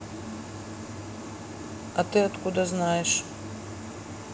а ты откуда знаешь